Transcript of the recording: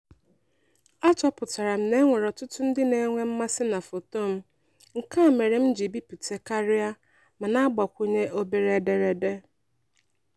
Achọpụtara m na e nwere ọtụtụ ndị na-enwe mmasị na foto m nke a mere m ji bipute karịa, ma na-agbakwụnye obere ederede.